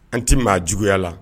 An tɛ maa juguya la